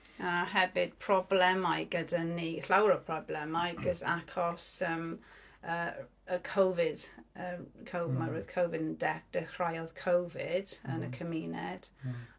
A hefyd problemau gyda ni... llawer o problemau cause... achos yym yy y Covid. Co- mae... oherwydd Covid yn de- dechreuodd Covid yn y cymuned.